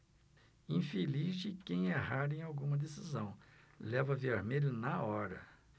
infeliz de quem errar em alguma decisão leva vermelho na hora